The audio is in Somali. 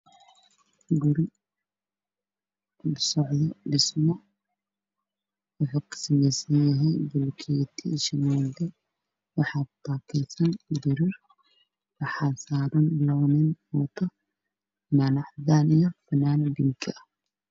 Meeshaan waa dhismo bilow ah